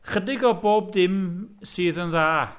Ychydig o bob dim sydd yn dda.